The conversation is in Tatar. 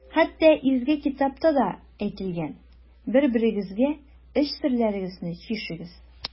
Хәтта Изге китапта да әйтелгән: «Бер-берегезгә эч серләрегезне чишегез».